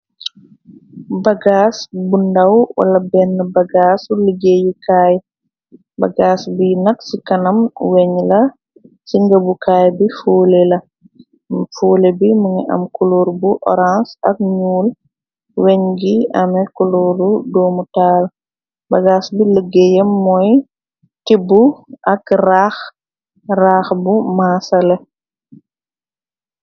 Bagaas bu ndàw, wala benn bagaasu liggéeyu kaay. Bagaas bi nak, si kanam, weñ la. Si ngëbu kaay bi foole bi mu ga am kuloor bu oraans ak ñuul. Weñ gi am, kolooru doomu taal, bagaas bi, liggéeyam mooy tibbu ak raax raax bu maasale.